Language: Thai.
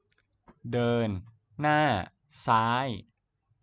เดินหน้าซ้าย